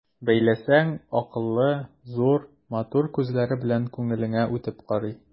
Бәйләсәң, акыллы, зур, матур күзләре белән күңелеңә үтеп карый.